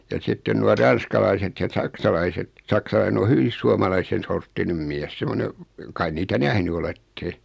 ja sitten nuo ranskalaiset ja saksalaiset saksalainen on hyvin suomalaisen sorttinen mies semmoinen kai niitä nähnyt olette